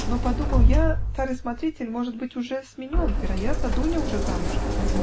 Но, подумал я, старый смотритель, может быть, уже сменен вероятно, Дуня уже замужем.